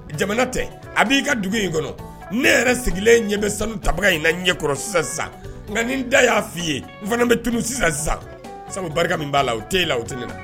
Jamana tɛ a b'i ka dugu in kɔnɔ ne yɛrɛ sigilen ɲɛ bɛ sanu tabaga in na ɲɛkɔrɔ sisan zan nka nin da y'a f fɔ i ye n fana bɛ tu sisan zan sabu barika b' la u t' e la o tɛ la